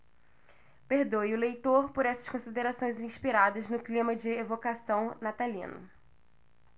perdoe o leitor por essas considerações inspiradas no clima de evocação natalino